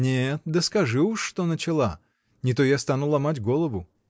— Нет, доскажи уж, что начала, не то я стану ломать голову!